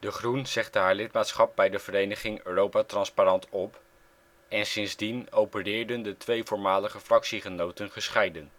Groen zegde haar lidmaatschap bij de vereniging Europa Transparant op en sindsdien opereerden de twee voormalige fractiegenoten gescheiden